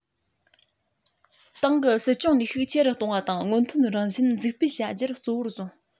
ཏང གི སྲིད སྐྱོང བྱེད ནུས ཆེ རུ གཏོང བ དང སྔོན ཐོན རང བཞིན འཛུགས སྤེལ བྱ རྒྱུ གཙོ བོར བཟུང